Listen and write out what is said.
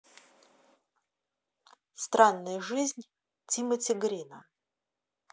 странная жизнь тимоти грина